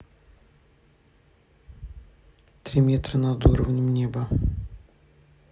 три метра над уровнем неба